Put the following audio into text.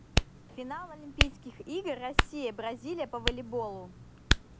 финал олимпийских игр россия бразилия по волейболу